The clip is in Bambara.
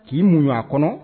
K'i muɲu a kɔnɔ.